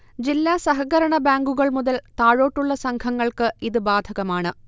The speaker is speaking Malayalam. ജില്ലാ സഹകരണ ബാങ്കുകൾ മുതൽ താഴോട്ടുള്ള സംഘങ്ങൾക്ക് ഇത് ബാധകമാണ്